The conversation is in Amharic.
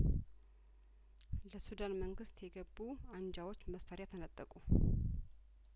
ለሱዳን መንግስት የገቡ አንጃዎች መሳሪያ ተነጠቁ